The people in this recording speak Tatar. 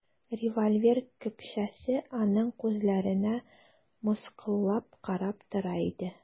Револьвер көпшәсе аның күзләренә мыскыллап карап тора иде.